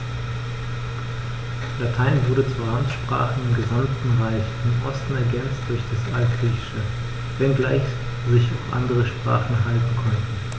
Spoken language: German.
Latein wurde zur Amtssprache im gesamten Reich (im Osten ergänzt durch das Altgriechische), wenngleich sich auch andere Sprachen halten konnten.